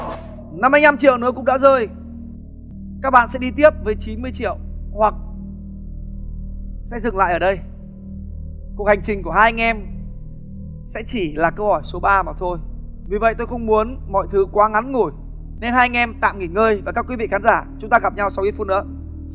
năm mươi nhăm triệu nữa cũng đã rơi các bạn sẽ đi tiếp với chín mươi triệu hoặc sẽ dừng lại ở đây cuộc hành trình của hai anh em sẽ chỉ là câu hỏi số ba mà thôi vì vậy tôi không muốn mọi thứ quá ngắn ngủi nên hai anh em tạm nghỉ ngơi và các quý vị khán giả chúng ta gặp nhau sau ít phút nữa